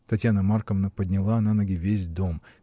Татьяна Марковна подняла на ноги весь дом.